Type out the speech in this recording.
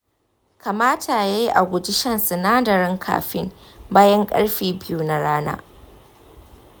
kamata ya yi a guji shan sinadarin caffeine bayan ƙarfe biyu na rana.